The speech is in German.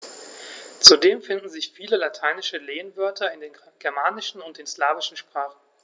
Zudem finden sich viele lateinische Lehnwörter in den germanischen und den slawischen Sprachen.